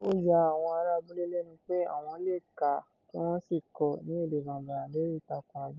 Ó ya àwọn ará abúlé lẹ́nu pé àwọn lè kà kí wọ́n sì kọ ní èdè Bambara lórí Ìtakùn àgbáyé!